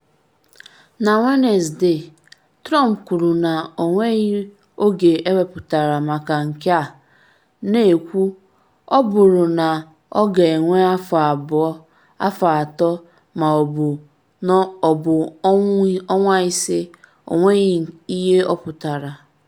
Na Wenesde, Trump kwuru na ọ nweghị oge ewepụtara maka nke a, na-ekwu “ọ bụrụ na ọ ga-ewe afọ abụọ, afọ atọ ma ọ bụ ọnwa ise- ọ nweghị ihe ọ pụtara.”